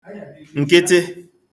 ǹkịtị